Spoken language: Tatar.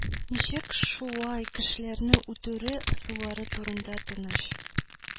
Ничек шулай кешеләрне үтерү ысуллары турында тыныч